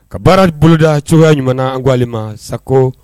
Ka baarari boloda cogoya ɲuman an koale ma sago